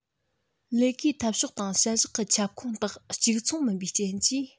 ལས ཀའི འཐབ ཕྱོགས དང བྱ གཞག གི ཁྱབ ཁོངས དག གཅིག མཚུངས མིན པའི རྐྱེན གྱིས